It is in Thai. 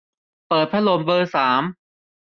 เปิดพัดลมเบอร์สาม